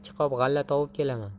ikki qop g'alla tovib kelaman